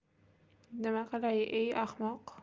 nima qilay ey ahmoq